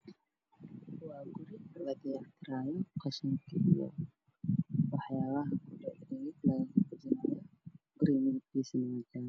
Waa guri laga gurayo qashinka iyo alaabaha gurigaaso waa jaalle